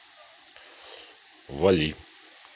вали